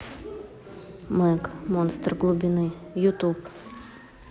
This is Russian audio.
мег монстр глубины ютюб